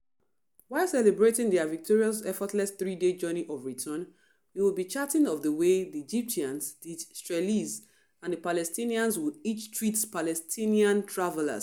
While celebrating their victorious effortless 3-day journey of return, we would be chatting of the way the Egyptians, the Israelis and the Palestinians would each treat Palestinian travelers.